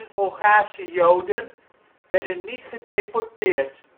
Hongaarse Joden werden niet gedeporteerd